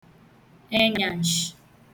enyaǹshị̀